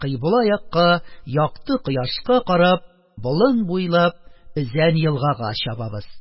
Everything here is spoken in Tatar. Кыйбла якка, якты кояшка карап, болын буйлап өзән елгага чабабыз...